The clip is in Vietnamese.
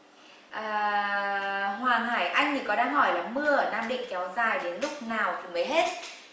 à hoàng hải anh thì có đang hỏi là mưa ở nam định kéo dài đến lúc nào thì mới hết